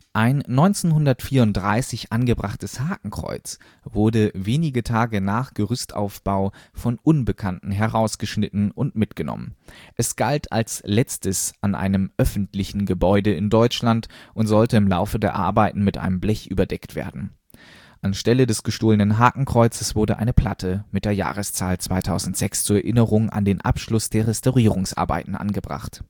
Ein 1934 angebrachtes Hakenkreuz wurde wenige Tage nach Gerüstaufbau von Unbekannten herausgeschnitten und mitgenommen. Es galt als letztes an einem öffentlichen Gebäude in Deutschland und sollte im Laufe der Arbeiten mit einem Blech überdeckt werden. Anstelle des gestohlenen Hakenkreuzes wurde eine Platte mit der Jahreszahl 2006 zur Erinnerung an den Abschluss der Restaurierungsarbeiten angebracht